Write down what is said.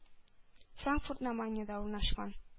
Франкфурт-на-Майнеда урнашкан.